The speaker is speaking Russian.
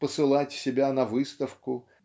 посылать себя на выставку